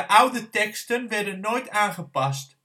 oude teksten werden nooit aangepast